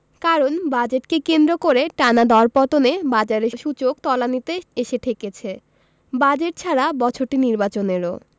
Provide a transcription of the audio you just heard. কারণ বাজেটকে কেন্দ্র করে টানা দরপতনে বাজারের সূচক তলানিতে এসে ঠেকেছে বাজেট ছাড়া বছরটি নির্বাচনেরও